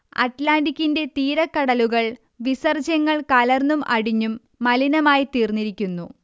അറ്റ്ലാന്റിക്കിന്റെ തീരക്കടലുകൾ വിസർജ്യങ്ങൾ കലർന്നും അടിഞ്ഞും മലിനമായിത്തീർന്നിരിക്കുന്നു